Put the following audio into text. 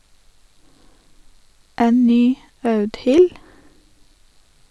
En ny Audhild?